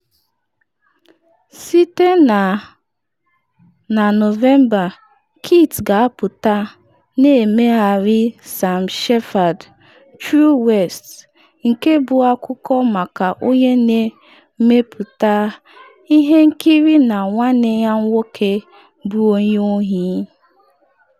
Site na na Novemba Kit ga-apụta na mmegharị Sam Shepard True West nke bụ akụkọ maka onye na-emepụta ihe nkiri na nwanne ya nwoke, bụ onye ohi.